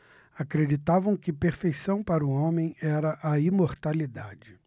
acreditavam que perfeição para o homem era a imortalidade